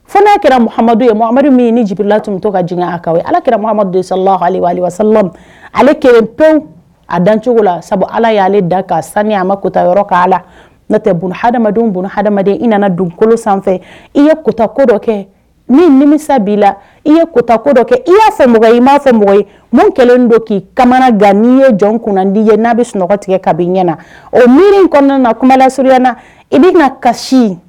Fo'a kɛramadu ye min ye ni jila tun min to ka jigin a kan alakiramadu sala sala ale ke pe a dancogo la sabu ala y ye'ale da' sanu a ma kuta yɔrɔ' la n tɛ hadamadenw hadamaden i nana donkolo sanfɛ i ye kota ko dɔ kɛ ni nimisa b'i la i ye kota ko dɔ kɛ i y'a fɛ mɔgɔ i m ma fɛ mɔgɔ ye mun kɛlen don k'i kamana gan n'i ye jɔn kun'i ye n'a bɛ sunɔgɔ tigɛ ka ɲɛ na o miiri in kɔnɔna na kumabalasiya i bɛ kasi ye